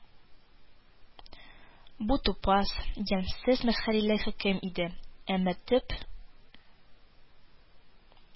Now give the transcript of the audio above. Бу – тупас, ямьсез, мәсхәрәле хөкем иде, әмма төп